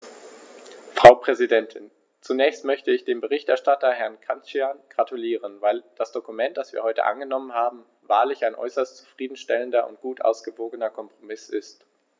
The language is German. Frau Präsidentin, zunächst möchte ich dem Berichterstatter Herrn Cancian gratulieren, weil das Dokument, das wir heute angenommen haben, wahrlich ein äußerst zufrieden stellender und gut ausgewogener Kompromiss ist.